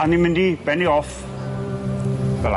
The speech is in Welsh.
A ni'n mynd i benni off fel 'a.